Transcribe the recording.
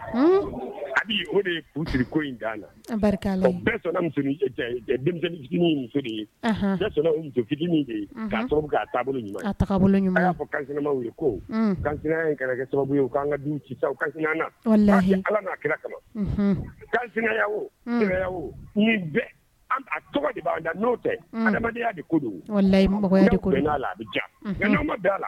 Kira tɔgɔ n'o